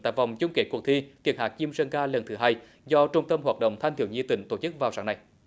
tại vòng chung kết cuộc thi tiếng hát chim sơn ca lần thứ hai do trung tâm hoạt động thanh thiếu nhi tỉnh tổ chức vào sáng nay